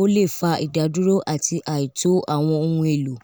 ó lè fa ìdàdúró àti àìtó àwọn ohun èlò.